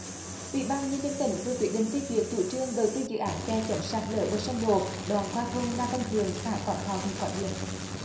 ủy ban nhân dân tỉnh vừa quyết định phê duyệt chủ trương đầu tư dự án kè chống sạt lở bờ sông bồ đoạn qua thôn la vân thượng xã quảng thọ huyện quảng điền